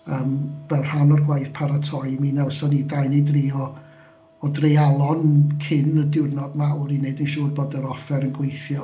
Yym fel rhan o'r gwaith paratoi mi wnawnson ni dau neu dri i o dreialon cyn y diwrnod mawr i wneud yn siŵr bod yr offer yn gweithio.